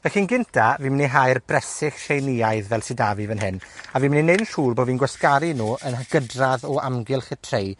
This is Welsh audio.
Felly'n gynta fi myn' i hau'r bresyll Sieineaidd fel sy 'da fi fan hyn, a fi myn' i neud yn siŵr bo' fi'n gwasgaru nw yn hygydradd o amgylch y tray,